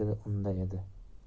zikri unda edi